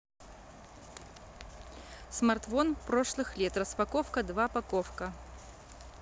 смартфон прошлых лет распаковка два паковка